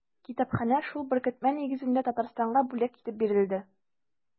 Китапханә шул беркетмә нигезендә Татарстанга бүләк итеп бирелде.